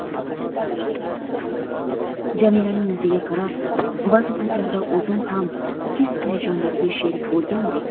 jamilaning yuziga qarab ba'zi paytlarda o'zim ham his hayajonlariga sherik bo'lgandek